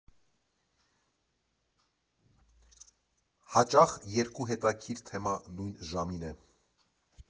Հաճախ երկու հետաքրքիր թեմա նույն ժամին է։